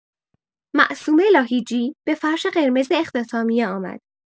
معصومه لاهیجی به فرش قرمز اختتامیه آمد.